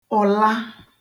ụ̀la